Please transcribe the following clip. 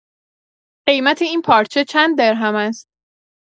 قیمت این پارچه چند درهم است